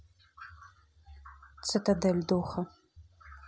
цитадель духа